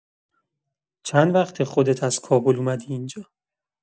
چند وقته خودت از کابل اومدی اینجا؟